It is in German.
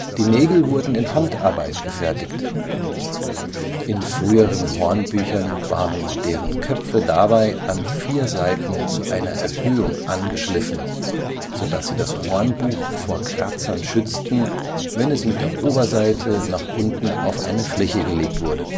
Die Nägel wurden in Handarbeit gefertigt. In früheren Hornbüchern waren deren Köpfe dabei an vier Seiten zu einer Erhöhung angeschliffen (siehe Abbildung rechts), sodass sie das Hornbuch vor Kratzern schützten, wenn es mit der Oberseite nach unten auf eine Fläche gelegt wurde